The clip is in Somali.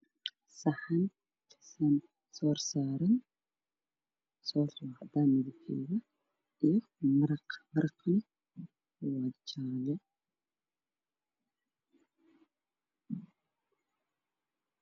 Waa saxan waxaa kujiro soor cadaan ah iyo maraq jaale ah.